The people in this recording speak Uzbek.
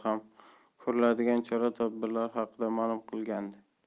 ham ko'riladigan chora tadbirlar haqida ma'lum qilgandi